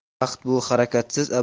vaqt bu harakatsiz